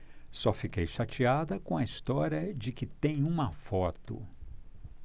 só fiquei chateada com a história de que tem uma foto